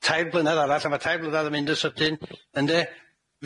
tair blynedd arall a ma' tair blynedd yn mynd yn sydyn ynde?